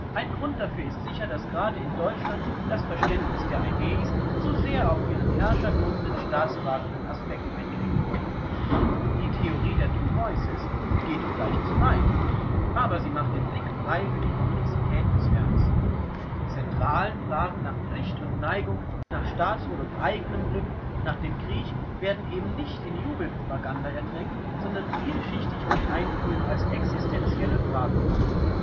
Ein Grund dafür ist sicher, dass gerade in Deutschland das Verständnis der Aeneis zu sehr auf ihren herrscherlobenden, staatstragenden Aspekt eingeengt wurde. Die Theorie der two voices geht vielleicht zu weit, aber sie macht den Blick frei für die Komplexität des Werks. Die zentralen Fragen nach Pflicht und Neigung, nach Staatswohl und eigenem Glück, nach dem Krieg werden eben nicht in Jubelpropaganda ertränkt, sondern vielschichtig und einfühlend als existenzielle Fragen